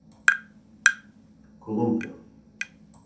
kolumbia